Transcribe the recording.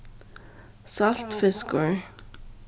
saltfiskur